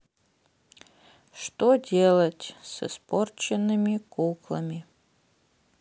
что делать с испорченными куклами